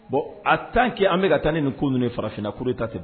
Bon a tan kɛ an bɛka ka taa ni ko ninnu farafinna kuru ta ten